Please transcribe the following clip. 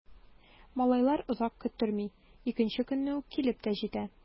Малайлар озак көттерми— икенче көнне үк килеп тә җитә.